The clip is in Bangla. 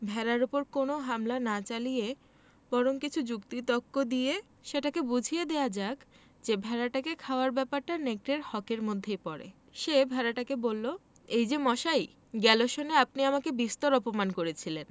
ভেড়াটার উপর কোন হামলা না চালিয়ে বরং কিছু যুক্তিতক্ক দিয়ে সেটাকে বুঝিয়ে দেওয়া যাক যে ভেড়াটাকে খাওয়ার ব্যাপারটা নেকড়ের হকএর মধ্যেই পড়ে সে ভেড়াটাকে বলল এই যে মশাই গেল সনে আপনি আমাকে বিস্তর অপমান করেছিলেন